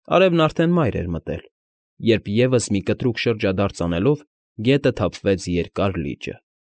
Արևն արդեն մայր էր մտել, երբ, ևս մի կտրուկ շրջադարձ անելով, գետը թափվեց Երկար Լիճը։